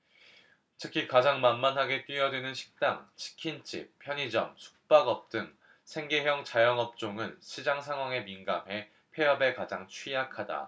특히 가장 만만하게 뛰어드는 식당 치킨집 편의점 숙박업 등 생계형 자영업종은 시장상황에 민감해 폐업에 가장 취약하다